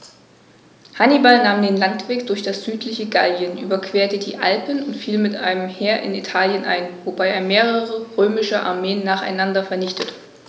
Hannibal nahm den Landweg durch das südliche Gallien, überquerte die Alpen und fiel mit einem Heer in Italien ein, wobei er mehrere römische Armeen nacheinander vernichtete.